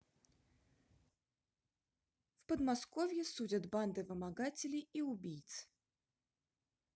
в подмосковье судят банды вымогателей и убийц